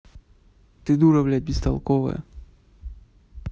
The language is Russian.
ты дура блять бестолковая